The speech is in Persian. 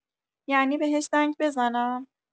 یعنی بهش زنگ بزنم؟